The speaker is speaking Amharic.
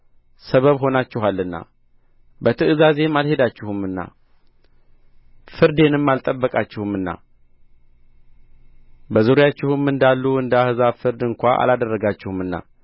ሰበብ ሆናችኋልና በትእዛዜም አልሄዳችሁምና ፍርዴንም አልጠበቃችሁምና በዙሪያችሁም እንዳሉ እንደ አሕዛብ ፍርድ እንኳ አላደረጋችሁምና